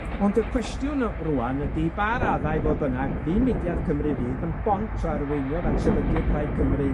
Ond y cwestiwn rŵan ydi, i ba raddau fodd bynnag, fu mudiad Cymru Fydd yn bont a arweiniodd at sefydlu Plaid Cymru